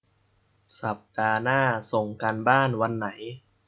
สัปดาห์หน้าส่งการบ้านวันไหน